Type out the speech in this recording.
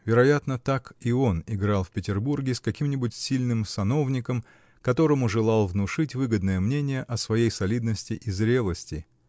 вероятно, так и он играл в Петербурге с каким-нибудь сильным сановником, которому желал внушить выгодное мнение о своей солидности и зрелости.